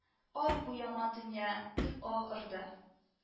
Ай, бу яман дөнья - дип аһ орды